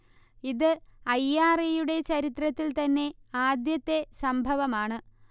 ഇത് I. R. ഇയുടെ ചരിത്രത്തിൽ തന്നെ ആദ്യത്തെ സംഭവമാണ്